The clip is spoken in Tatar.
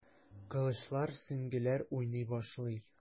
Кылычлар, сөңгеләр уйный башлый.